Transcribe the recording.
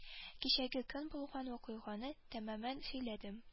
Кичәге көн булган вакыйганы тәмамән сөйләдем